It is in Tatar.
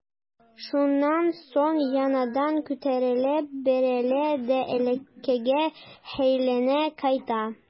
Шуннан соң яңадан күтәрелеп бәрелә дә элеккеге хәленә кайта.